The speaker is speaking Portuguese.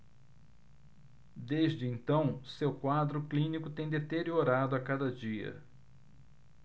desde então seu quadro clínico tem deteriorado a cada dia